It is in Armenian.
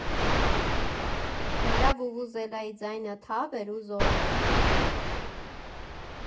Նրա վուվուզելայի ձայնը թավ էր ու զորեղ։